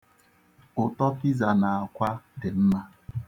Ụtọ Piza na azụ dị mma.